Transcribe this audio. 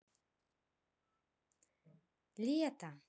лето